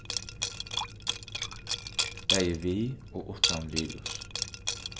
bæði við og uttan virus